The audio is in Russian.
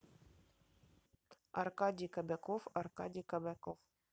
аркадий кобяков аркадий кобяков